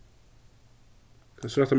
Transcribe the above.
kanst tú rætta mær ein blýant